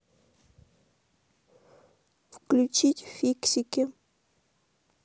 включить фиксики